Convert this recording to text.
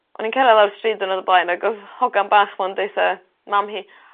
o'n i'n cera lawr y stryd diwrnod o blaen ag odd hogan bach 'ma'n deutha mam hi